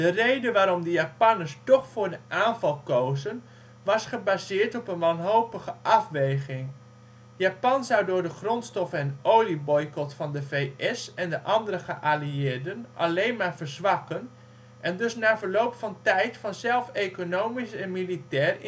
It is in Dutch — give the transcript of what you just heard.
reden waarom de Japanners toch voor de aanval kozen was gebaseerd op een wanhopige afweging: Japan zou door de grondstoffen - en olieboycot van de VS en de andere geallieerden alleen maar verzwakken en dus na verloop van tijd vanzelf economisch en militair